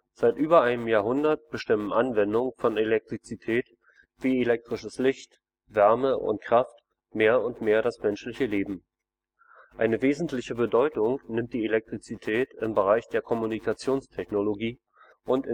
Seit über einem Jahrhundert bestimmen Anwendungen von Elektrizität, wie elektrisches Licht, Wärme und Kraft mehr und mehr das menschliche Leben. Eine wesentliche Bedeutung nimmt die Elektrizität im Bereich der Kommunikationstechnologie und